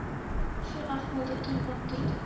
shu ahvolda tong ottirdi